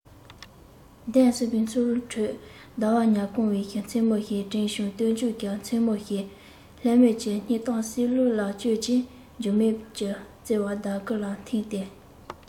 འདས ཟིན པའི འཚོ བའི ཁྲོད ཟླ བ ཉ གང བའི མཚན མོ ཞིག དྲན བྱུང སྟོན མཇུག གི མཚན མོ ཞིག ལྷད མེད ཀྱི སྙིང གཏམ བསིལ རླུང ལ བཅོལ ཅིང འགྱུར མེད ཀྱི བརྩེ བ ཟླ གུར ལ འཐིམས ཏེ